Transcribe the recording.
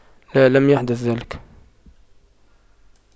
لا لم يحدث ذلك